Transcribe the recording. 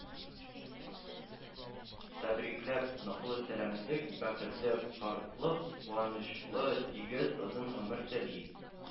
Тәбрикләп, ныклы сәламәтлек, бәхетле картлык, куанычлы, тигез, озын гомер тели